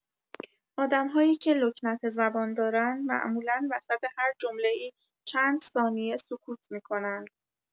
آدم‌هایی که لکنت زبان دارن، معمولا وسط هر جمله‌ای چند ثانیه سکوت می‌کنند